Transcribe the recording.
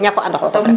ñako ando xoxof rek